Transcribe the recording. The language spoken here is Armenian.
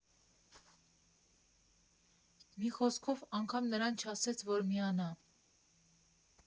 Մի խոսքով, անգամ նրան չասեց, որ միանա։